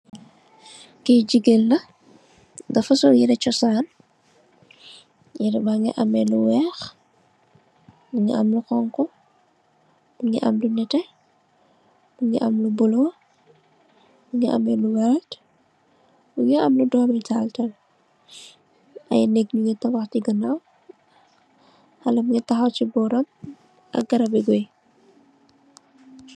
Kii jigéen la, dafa sol yire cosaan, yiree baa ngi am lu weex ak lu xoñxu, mu ngi am lu nétté am lu weex, mu am lu werta, mu ngi am lu döömi taal tam, ay neeg ñu ngi taxaw si ganaawam, xalé mu ngi taxaw, si bóoram, ak garab yu werta.